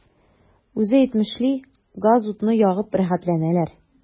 Үзе әйтмешли, газ-утны ягып “рәхәтләнәләр”.